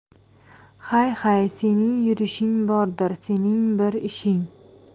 hay hay sening yurishing bordir sening bir ishing